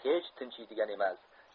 hech tinchiydigan emas